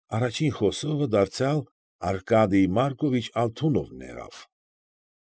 Առաջին խոսողը դարձյալ Արկադիյ Մարկովիչ Ալթունովն եղավ։